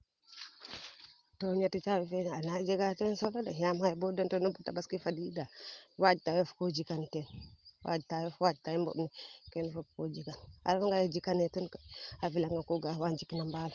to ñwti caabi kene anaa njega teen solo de yaam xaye bo den toona fo tabaski fadiida waaj taayof ko jikan teen waaj taayof waaj taay mboɓ ne kewne fop ko jikan a refa ngaye jikane o ten koy a fela ngang ko ga'a waa njik na mbaal